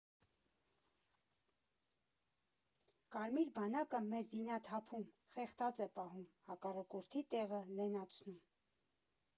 Կարմիր բանակը մեզ զինաթափում, խեղդած է պահում, հակառակորդի տեղը լենացնում։